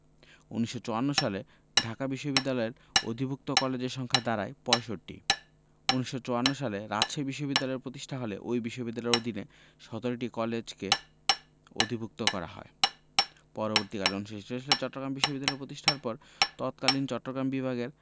১৯৫৪ সালে ঢাকা বিশ্ববিদ্যালয়ের অধিভুক্ত কলেজের সংখ্যা দাঁড়ায় ৬৫ ১৯৫৪ সালে রাজশাহী বিশ্ববিদ্যালয় প্রতিষ্ঠিত হলে ওই বিশ্ববিদ্যালয়ের অধীনে ১৭টি কলেজকে অধিভুক্ত করা হয় পরবর্তীকালে ১৯৬৬ সালে চট্টগ্রাম বিশ্ববিদ্যালয় প্রতিষ্ঠার পর তৎকালীন চট্টগ্রাম বিভাগের